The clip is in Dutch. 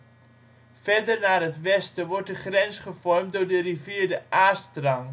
Verder naar het westen wordt de grens gevormd door de rivier de Aa-strang. In 1570